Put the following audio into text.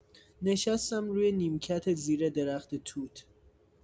نشستم روی نیمکت زیر درخت توت.